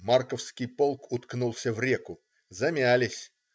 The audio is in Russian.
Марковский полк уткнулся в реку. Замялись.